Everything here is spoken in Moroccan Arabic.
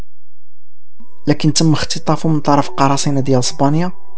لكن تم اختطاف من طرف قرصين دي اسبانيا